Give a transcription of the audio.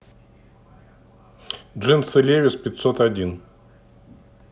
джинсы левис пятьсот один